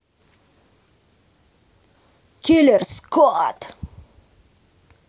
killer скот